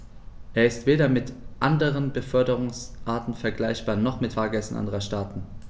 Er ist weder mit anderen Beförderungsarten vergleichbar, noch mit Fahrgästen anderer Staaten.